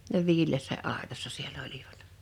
ne viileässä aitassa siellä olivat